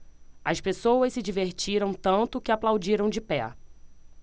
as pessoas se divertiram tanto que aplaudiram de pé